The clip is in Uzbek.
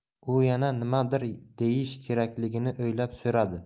u yana nimadir deyish kerakligini o'ylab so'radi